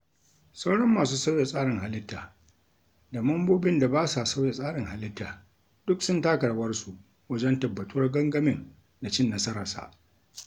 Sauran masu sauya tsarin halitta da mambobin da ba sa sauya tsarin halitta duk sun taka rawarsu wajen tabbatuwar gangamin da cin nasararsa.